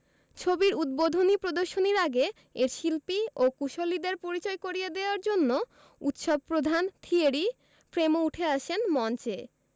ছবির উদ্বোধনী প্রদর্শনীর আগে এর শিল্পী ও কুশলীদের পরিচয় করিয়ে দেওয়ার জন্য উৎসব প্রধান থিয়েরি ফ্রেমো উঠে আসেন মঞ্চে